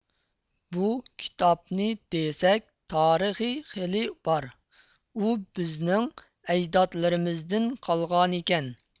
بۇ كىتابنى دېسەك تارىخى خېلى بار ئۇ بىزنىڭ ئەجدادلىرىمىزدىن قالغانىكەن